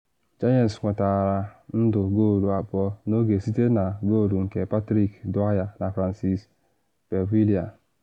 Giants nwetara ndu goolu abụọ n’oge site na goolu nke Patrick Dwyer na Francis Beauvillier.